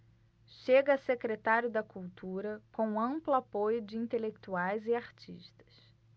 chega a secretário da cultura com amplo apoio de intelectuais e artistas